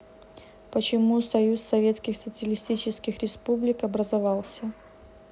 почему союз советских социалистических республик образовался